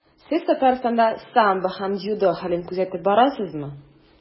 Сез Татарстанда самбо һәм дзюдо хәлен күзәтеп барасызмы?